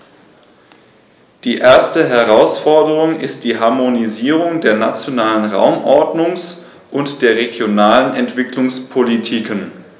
Die erste Herausforderung ist die Harmonisierung der nationalen Raumordnungs- und der regionalen Entwicklungspolitiken.